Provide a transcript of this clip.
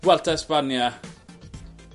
Vuelta Espania.